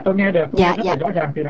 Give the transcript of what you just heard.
dạ tôi nghe